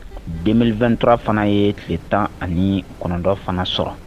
Denele2turara fana ye tile tan ani kɔnɔntɔn fana sɔrɔ